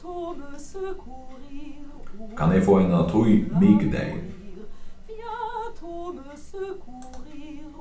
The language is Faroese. kann eg fáa eina tíð mikudagin